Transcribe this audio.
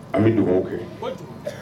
An bɛ dugaw kɛ